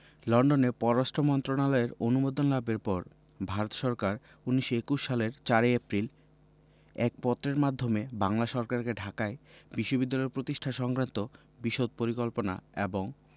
লন্ডনে পররাষ্ট্র মন্ত্রণালয়ের অনুমোদন লাভের পর ভারত সরকার ১৯২১ সালের ৪ এপ্রিল এক পত্রের মাধ্যমে বাংলা সরকারকে ঢাকায় বিশ্ববিদ্যালয় প্রতিষ্ঠা সংক্রান্ত বিশদ পরিকল্পনা এবং